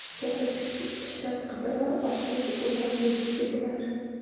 to'qlik ishrat qidirar ochlik o'lan dedirar